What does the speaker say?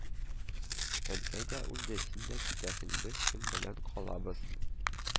– әнкәй дә үлде, син дә китәсең, без кем белән калабыз